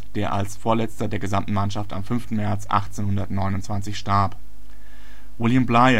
der als Vorletzter der gesamten Mannschaft am 5. März 1829 starb. William Bligh